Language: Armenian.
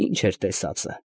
Ի՞նչ էր տեսածը։